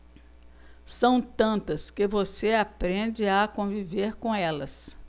são tantas que você aprende a conviver com elas